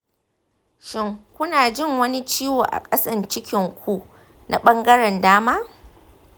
shin kuna jin wani ciwo a ƙasan cikin ku na ɓangaren dama?